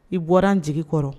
I bɔra n jigin kɔrɔ